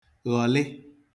ghọlị